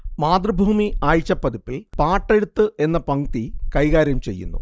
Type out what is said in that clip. മാതൃഭൂമി ആഴ്ചപ്പതിപ്പിൽ പാട്ടെഴുത്ത് എന്ന പംക്തി കൈകാര്യം ചെയ്യുന്നു